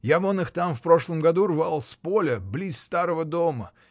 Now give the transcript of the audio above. Я вон их там в прошлом году рвал, с поля, близ старого дома.